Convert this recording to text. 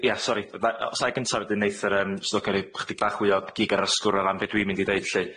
Ia sori, yy nai- o- os a 'i gyntaf, wedyn neith yr yym swyddogion roi chydig bach fwy o gig ar yr asgwrn ar ran be' dwi'n mynd i ddeud lly.